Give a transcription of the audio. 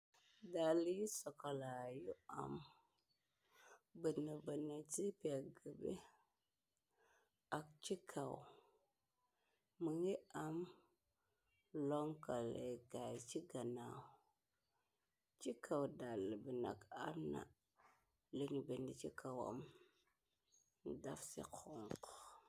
Dalle yi sokolaa yu am bëna bana ci pegg bi ak ci kaw mi ngay am lonkal leggaay ci gannaaw ci kaw dalle bi nag arna liñ binn ci kawam nu daf ci xonxo.